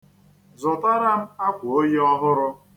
Zụtara m akwaoyi ọhụrụ.